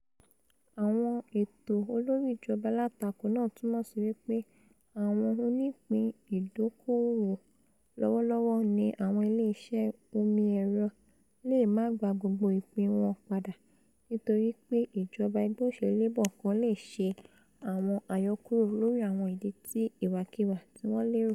Àwọn ètò olóri ìjọba alátako náà túmọ̀ sí wí pé àwọn oníìpín ìdókòòwò lọ́wọ́lọ́wọ́ ní àwọn ilé iṣẹ́ omi-ẹ̀rọ leè má gba gbogbo ìpín wọn padà nítorípe ìjọba ẹgbẹ́ òṣ̵èlú Labour kan leè ṣe 'awọn àyọkúrò' lori àwọn ìdí ti ìwàkiwà ti wọn lérò.